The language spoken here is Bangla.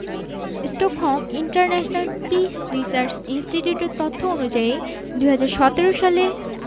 স্টকহোম ইন্টারন্যাশনাল পিস রিসার্চ ইনস্টিটিউটের তথ্য অনুযায়ী ২০১৭ সালে